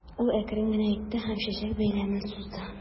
Ул әкрен генә әйтте һәм чәчәк бәйләмен сузды.